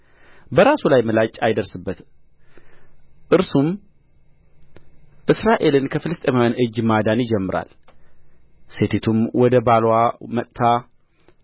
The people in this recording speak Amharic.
በራሱ ላይ ምላጭ አይድረስበት እርሱም እስራኤልን ከፍልስጥኤማውያን እጅ ማዳን ይጀምራል ሴቲቱም ወደ ባልዋ መጥታ